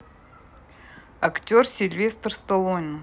актер сильвестр сталлоне